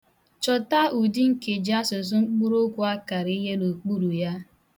Chọta udi nkejiasụsụ mkpuruokwu a kara ihe n' okpuru ya.